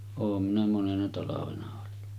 olen minä monena talvena ollut